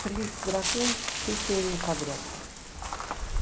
принц дракон все серии подряд